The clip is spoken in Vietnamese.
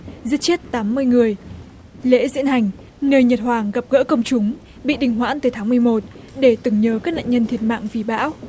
giết chết tám mươi người lễ diễu hành người nhật hoàng gặp gỡ công chúng bị đình hoãn từ tháng mười một để tưởng nhớ các nạn nhân thiệt mạng vì bão